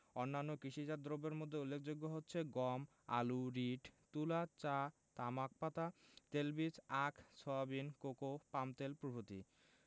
অন্যান্য কৃষিজাত দ্রব্যের মধ্যে উল্লেখযোগ্য হচ্ছে গম আলু রীট তুলা চা তামাক পাতা তেলবীজ আখ সয়াবিন কোকো পামতেল প্রভৃতি